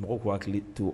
Mɔgɔw ku hakili to